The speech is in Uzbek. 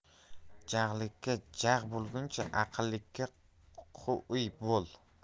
jag'likka jag' bo'lguncha aqllikka qui bo'l